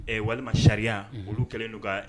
Ɛ walima sariya olu kɛlen don ka